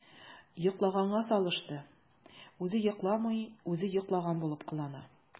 “йоклаганга салышты” – үзе йокламый, үзе йоклаган булып кылана.